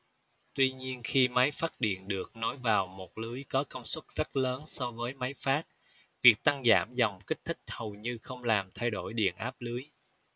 tuy nhiên khi máy phát điện được nối vào một lưới có công suất rất lớn so với máy phát việc tăng giảm dòng kích thích hầu như không làm thay đổi điện áp lưới